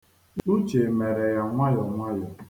Uche mere ya nwayọnwayọ.